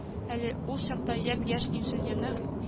Әле ул чакта япь-яшь инженерны